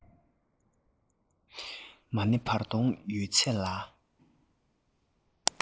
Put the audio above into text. མ ནེའི བར གདོང ཡོད ཚད ལ